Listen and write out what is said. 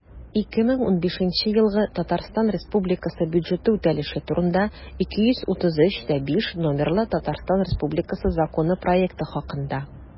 «2015 елгы татарстан республикасы бюджеты үтәлеше турында» 233-5 номерлы татарстан республикасы законы проекты хакында